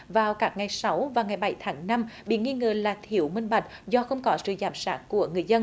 vào các ngày sáu và ngày bảy tháng năm bị nghi ngờ là thiếu minh bạch do không có sự giám sát của người dân